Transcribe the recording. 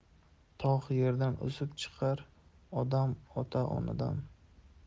tog' yerdan o'sib chiqar odam ota onadan